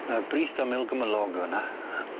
Y Brith Ymyl Gymylog yw wnna.